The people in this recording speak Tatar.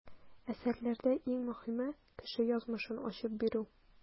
Әсәрләрдә иң мөһиме - кеше язмышын ачып бирү.